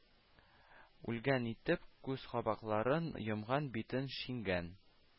Үлгән итеп күз кабакларын йомган, битен шиңгән